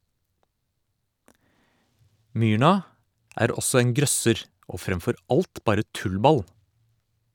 Myrna er også en grøsser, og fremfor alt bare tullball.